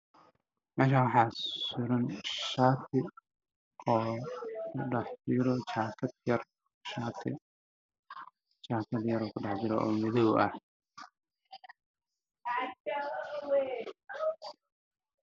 Meeshaan waxaa furan shati waana carwo shaatiga waxaa korka suraan shaati yar oo gaaban